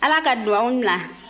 ala ka dugaw minɛ